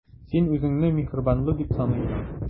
Син үзеңне миһербанлы дип саныйсың.